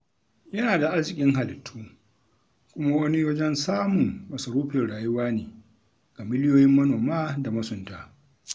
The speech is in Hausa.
Yana da arziƙin halittu kuma wani wajen samun masarufin rayuwa ne ga miliyoyin manoma da masunta.